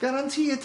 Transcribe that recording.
Garantîd.